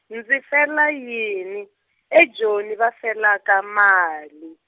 Ndzi fela yini, eJoni va felaka mali?